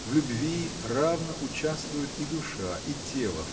В любви равно участвуют и душа и тело